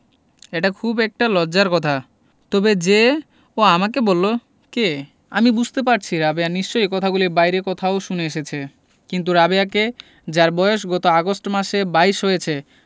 এটা খুব একটা লজ্জার কথা তবে যে ও আমাকে বললো কে আমি বুঝতে পারছি রাবেয়া নিশ্চয়ই কথাগুলি বাইরে কোথাও শুনে এসেছে কিন্তু রাবেয়াকে যার বয়স গত আগস্ট মাসে বাইশ হয়েছে